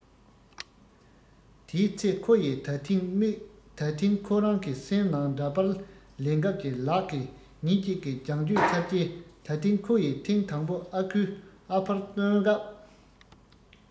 དེའི ཚེ ཁོ ཡི ད ཐེངས དམིགས ད ཐེངས ཁོ རང གི སེམས ནང འདྲ པར ལེན སྐབས ཀྱི ལག གི ཉིན གཅིག གི རྒྱང བསྐྱོད ཚར རྗེས ད ཐེངས ཁོ ཡི ཐེངས དང པོ ཨ ཁུས ཨ ཕར བཏོན སྐབས